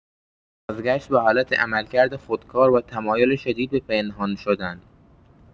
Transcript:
بازگشت به حالت عملکرد خودکار و تمایل شدید به پنهان‌شدن